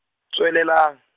Tswelelang.